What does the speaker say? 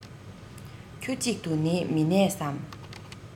ཁྱུ གཅིག ཏུ ནི མི གནས སམ